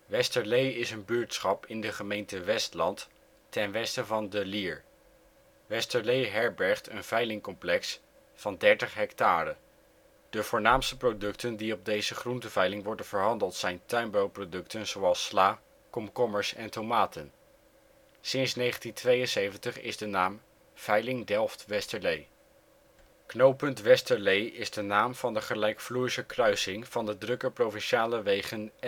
Westerlee is een buurtschap in de gemeente Westland, ten westen van De Lier. Westerlee herbergt een veilingcomplex van 30 hectare. De voornaamste producten die op deze groentenveiling worden verhandeld zijn tuinbouwproducten zoals sla, komkommers en tomaten. Sinds 1972 is de naam Veiling Delft-Westerlee. Knooppunt Westerlee is de naam van de gelijkvloerse kruising van de drukke provinciale wegen